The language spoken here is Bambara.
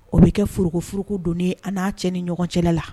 O bɛ kɛ forofur don an n'a cɛ ni ɲɔgɔn cɛla la